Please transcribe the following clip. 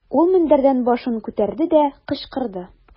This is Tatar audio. Ул мендәрдән башын күтәрде дә, кычкырды.